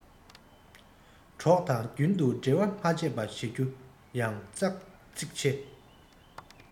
གྲོགས དང རྒྱུན དུ འབྲེལ བ མ ཆད པ བྱེད རྒྱུ ཡང གཙིགས ཆེ